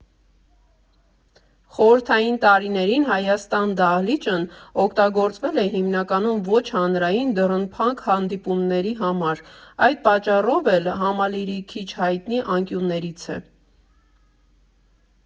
Խորհրդային տարիներին «Հայաստան» դահլիճընօգտագործվել է հիմնականում ոչ հանրային, դռնփակ հանդիպումների համար, այդ պատճառով էլ Համալիրի քիչ հայտնի անկյուններից է։